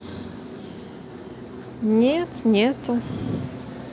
нет нету